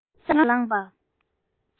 དངངས སྐྲག ལངས པ